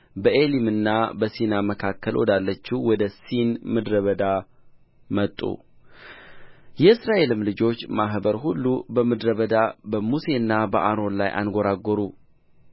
በኤሊምና በሲና መካከል ወዳለችው ወደ ሲን ምድረ በዳ መጡ የእስራኤልም ልጆች ማኅበር ሁሉ በምድረ በዳ በሙሴና በአሮን ላይ አንጐራጐሩ